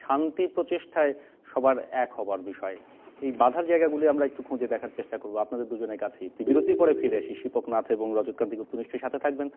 শান্তি প্রতিষ্ঠায় সবার এক হবার বিষয় এই বাধার জায়গা গুলো যদি আমরা খুঁজে দেখার চেষ্টা করব আপনাদের দুজনের কাছেই পর বিরতির পর আমরা ফিরে আসি শিপক নাথ এবং রজত কান্তি গুপ্ত নিশ্চয়ই সাথে থাকবেন